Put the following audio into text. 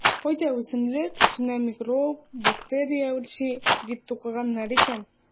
Кайда үсемлек - шунда микроб-бактерия үрчи, - дип тукыганнар икән.